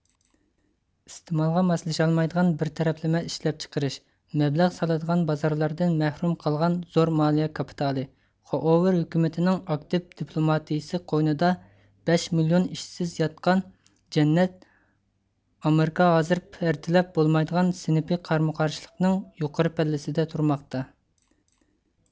ئىستىمالغا ماسلىشالمايدىغان بىر تەرەپلىمە ئىشلەپچىقىرىش مەبلەغ سالىدىغان بازارلاردىن مەھرۇم قالغان زور مالىيە كاپىتالى خوئوۋېر ھۆكۈمىتىنىڭ ئاكتىپ دىپلوماتىيىسى قوينىدا بەش مىليون ئىشسىز ياتقان جەننەت ئامېرىكا ھازىر پەردىلەپ بولمايدىغان سىنىپىي قارمۇ قارشىلىقنىڭ يۇقىرى پەللىسىدە تۇرماقتا